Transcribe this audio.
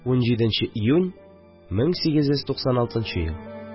17 нче июня 1896 ел